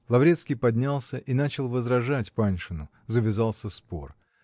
Лаврецкий поднялся и начал возражать Паншину; завязался спор.